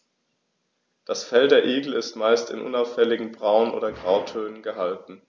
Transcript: Das Fell der Igel ist meist in unauffälligen Braun- oder Grautönen gehalten.